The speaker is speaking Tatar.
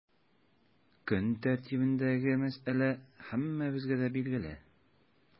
Көн тәртибендәге мәсьәлә һәммәбезгә дә билгеле.